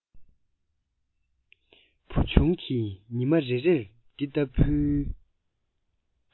བུ ཆུང གིས ཉི མ རེ རེར འདི ལྟ བུའི